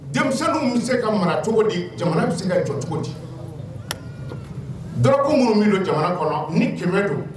Denmisɛnnin bɛ se ka mara cogo di jamana bɛ se ka cogo di d minnu bɛ don jamana kɔnɔ ni kɛmɛ don